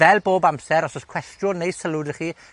Fel bob amser, os o's cwestiwn neu sylw 'da chi,